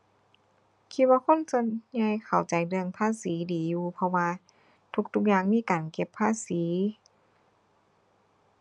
คิดว่าคนส่วนใหญ่เข้าใจเรื่องภาษีดีอยู่ เพราะว่าทุกทุกอย่างมีการเก็บภาษี